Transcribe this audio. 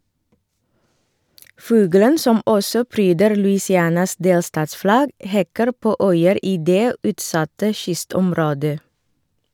Fuglen, som også pryder Louisianas delstatsflagg, hekker på øyer i det utsatte kystområdet.